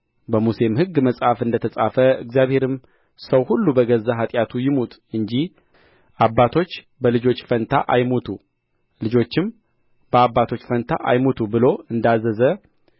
በሙሴም ሕግ መጽሐፍ እንደ ተጻፈ እግዚአብሔርም ሰው ሁሉ በገዛ ኃጢያቱ ይሙት እንጂ አባቶች በልጆች ፋንታ አይሙቱ ልጆችም በአባቶች ፋንታ አይሙቱ ብሎ እንዳዘዘ